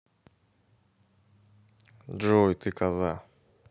джой ты коза